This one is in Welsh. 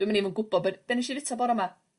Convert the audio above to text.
Dwi'm yn even gwbo be' be' nes i fita bora 'ma?